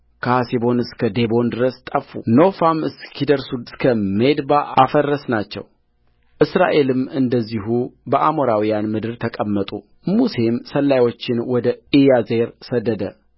ከሐሴቦን እስከ ዴቦን ድረስ ጠፉኖፋም እስኪደርሱ እስከ ሜድባ አፈረስናቸውእስራኤልም እንደዚህ በአሞራውያን ምድር ተቀመጡሙሴም ሰላዮችን ወደ ኢያዜር ሰደደ